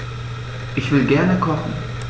Ich will gerne kochen.